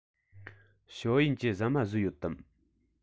ཞའོ ཡན གྱིས ཟ མ ཟོས ཡོད དམ